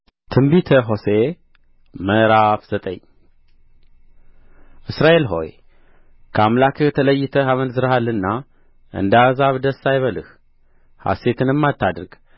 ትንቢተ ሆሴዕ ምዕራፍ ዘጠኝ እስራኤል ሆይ ከአምላክህ ተለይተህ አመንዝረሃልና እንደ አሕዛብ ደስ አይበልህ ሐሴትንም አታድርግ